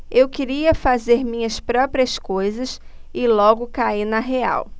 eu queria fazer minhas próprias coisas e logo caí na real